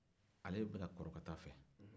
ale dun bɛ ka kɔrɔ ka taa a fɛ